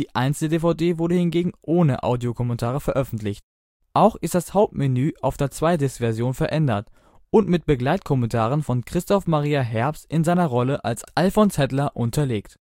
Einzel-DVD wurde hingegen ohne Audiokommentar veröffentlicht. Auch ist das Hauptmenü auf der Zwei-Disc-Version verändert und mit Begleitkommentaren von Christoph Maria Herbst in seiner Rolle als Alfons Hatler unterlegt